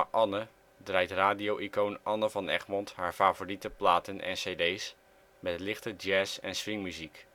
Anne draait radio-icoon Anne van Egmond haar favoriete platen en cd 's met lichte jazz - en swingmuziek